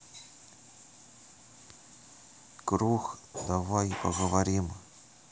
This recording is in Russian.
круг давай поговорим